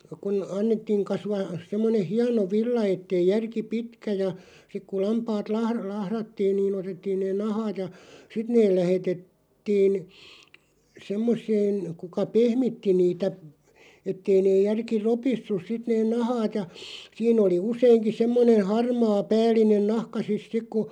kun annettiin kasvaa semmoinen hieno villa että ei järki pitkä ja sitten kun lampaat - lahdattiin niin otettiin ne nahkat ja sitten ne - lähetettiin semmoiseen kuka pehmitti niitä että ei ne järki ropissut sitten ne nahkat ja siinä oli useinkin semmoinen harmaa päällinen nahka sitten sitten kun